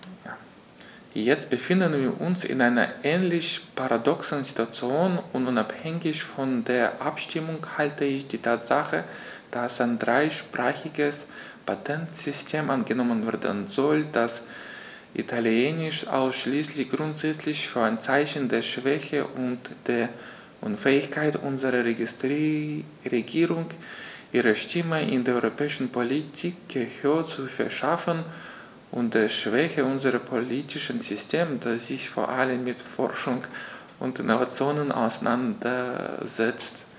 Jetzt befinden wir uns in einer ähnlich paradoxen Situation, und unabhängig von der Abstimmung halte ich die Tatsache, dass ein dreisprachiges Patentsystem angenommen werden soll, das Italienisch ausschließt, grundsätzlich für ein Zeichen der Schwäche und der Unfähigkeit unserer Regierung, ihrer Stimme in der europäischen Politik Gehör zu verschaffen, und der Schwäche unseres politischen Systems, das sich vor allem mit Forschung und Innovation auseinandersetzt.